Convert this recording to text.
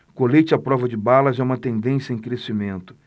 colete à prova de balas é uma tendência em crescimento